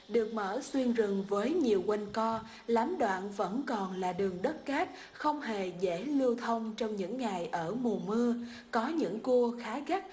được mở xuyên rừng với nhiều quanh co lắm đoạn vẫn còn là đường đất cát không hề dễ lưu thông trong những ngày ở mùa mưa có những cua khá gắt